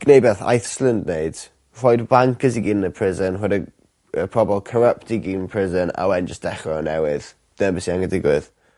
gneud be' ath Icelan neud rhoi'r bankers i gyd yn y prision rhoid y y pobol corrupt i gyd yn prision a wedyn jyst dechre o'r newydd. Dyna be' sy angen digwydd.